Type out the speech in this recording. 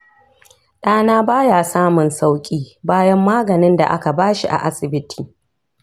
ɗana baya samun sauƙi bayan maganin da aka ba shi a asibiti